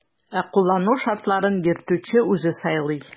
Ә кулланылу шартларын йөртүче үзе сайлый.